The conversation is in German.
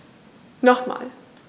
Nochmal.